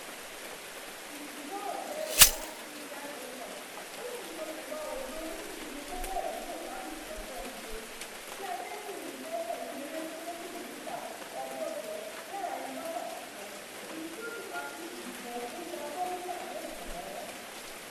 Ìjì náà bẹ̀rẹ̀ láti Indian Ocean ó sì sokunfà òjò oníjì líle tó bẹ̀rẹ̀ ní Mozambique lọjọ Igbe, tí atégùn ń fẹ́ pẹ̀lú eré tó tó kìlómítà 160 láàárìn wákàtí kan, èyí tí ó sì fàá kí ìgbì òkun ga tó mítà 9.